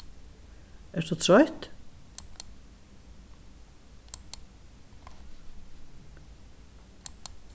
ert tú troytt